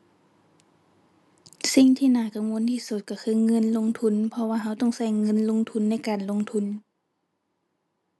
สิ่งที่น่ากังวลที่สุดก็คือเงินลงทุน เพราะว่าก็ต้องก็เงินลงทุนในการลงทุน